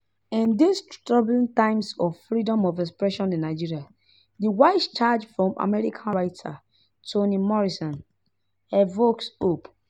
In these troubling times of freedom of expression in Nigeria, the wise charge from American writer Toni Morrison evokes hope: